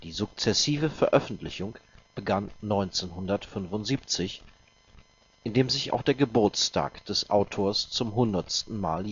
sukzessive Veröffentlichung begann 1975, in dem sich auch der Geburtstag des Autors zum hundertsten Mal